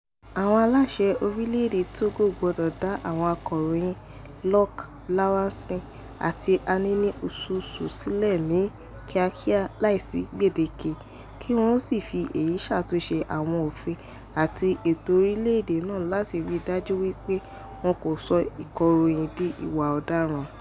Àwọn aláṣẹ orílẹ̀ èdè Togo gbọ́dọ̀ dá àwọn akọ̀ròyìn Loic Lawson àti Anani Sossou sílẹ̀ ní kíákíá láìsí gbèǹdéke, kí wọ́n ó sì fi èyí ṣàtúnṣe àwọn òfin àti ètò orílẹ̀ èdè náà láti ríi dájú wípé wọn kò sọ ìkọ̀ròyìn di ìwà ọdaràn.